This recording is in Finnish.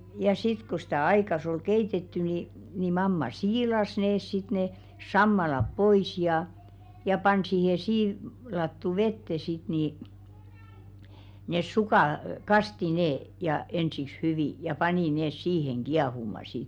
ja sitten kun sitä aikansa oli keitetty niin niin mamma siilasi ne sitten ne sammaleet pois ja ja pani siihen - siilattuun veteen sitten niin ne sukat kastoi ne ja ensiksi hyvin ja pani ne siihen kiehumaan sitten